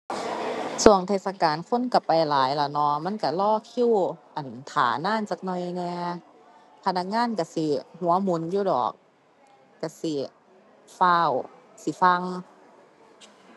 ช่วงเทศกาลคนช่วงไปหลายล่ะเนาะ มันช่วงรอคิว อั่น ท่านานจักหน่อยแหน่ พนักงานช่วงสิหัวหมุนอยู่ดอก ช่วงสิฟ้าวสิฝั่ง